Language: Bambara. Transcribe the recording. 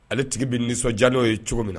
Ale tigi bɛ nisɔn jan'o ye cogo min na